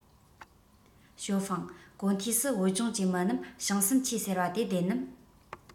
ཞའོ ཧྥུང གོ ཐོས སུ བོད ལྗོངས ཀྱི མི རྣམས བྱང སེམས ཆེ ཟེར བ དེ བདེན ནམ